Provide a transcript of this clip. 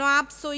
বঙ্গবিভক্তি